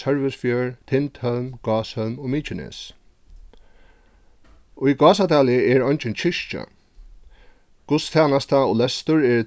sørvágsfjørð tindhólm gáshólm og mykines í gásadali er eingin kirkja gudstænasta og lestur eru